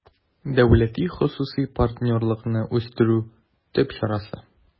«дәүләти-хосусый партнерлыкны үстерү» төп чарасы